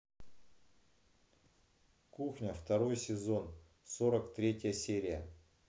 кухня второй сезон сорок третья серия